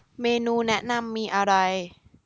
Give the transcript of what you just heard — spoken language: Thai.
เมนูแนะนำมีอะไร